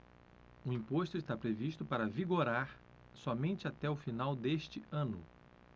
o imposto está previsto para vigorar somente até o final deste ano